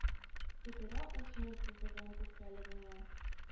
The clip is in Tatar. Төкерә ул синең күперен күркәлегеңә